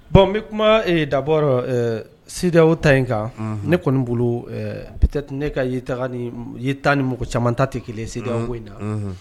Bon n bɛ kuma dabɔ sidaw ta in kan ne kɔni bolo bi ne kata ni mɔgɔ caman ta tɛ kelen sida ko in na